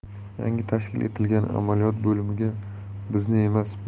yangi tashkil etilgan amaliyot bo'limiga bizni emas